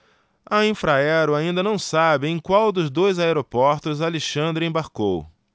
a infraero ainda não sabe em qual dos dois aeroportos alexandre embarcou